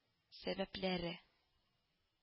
Сәбәпләре